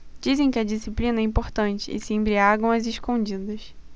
dizem que a disciplina é importante e se embriagam às escondidas